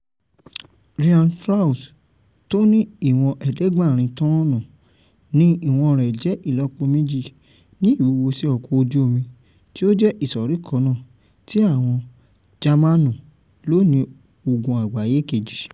"Rheinland-Pfalz" tó ní ìwọ̀n 7,000-ton ní ìwọ́n rẹ̀ jẹ́ ìlọ́po méjì ní ìwúwo sí ọkọ̀ ojú omi tí ó jẹ́ ìsọ̀rí kannáà tí àwọn Jámànù lò ní Ogun Àgbáyé Kejì..